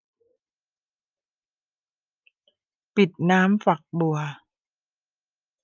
ปิดน้ำฝักบัว